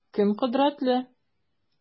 Кем кодрәтле?